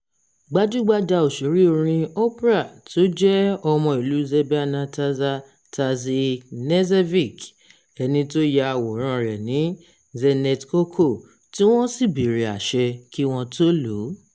Gbajúgbajà òṣèré orin opera tó jẹ́ ọmọ ìlú Serbia Nataša Tasić Knežević, ẹni tó ya àwòrán rẹ̀ ni Dzenet Koko, tí wọ́n sì bèrè àṣẹ kí wọ́n tó lòó.